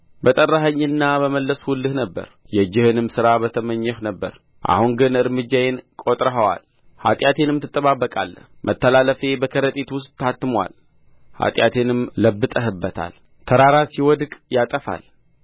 በጠራኸኝና በመለስሁልህ ነበር የእጅህንም ሥራ በተመኘኸው ነበር አሁን ግን እርምጃዬን ቈጥረኸዋል ኃጢአቴንም ትጠባበቃለህ መተላልፌ በከረጢት ውስጥ ታትሞአል ኃጢአቴንም ለብጠህበታል ተራራ ሲወድቅ ይጠፋል